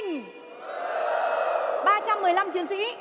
chinh ba trăm mười lăm chiến sĩ